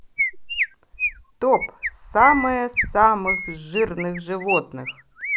топ самое самых жирных животных